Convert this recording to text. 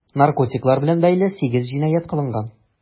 Наркотиклар белән бәйле 8 җинаять кылынган.